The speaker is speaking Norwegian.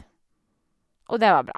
Og det var bra.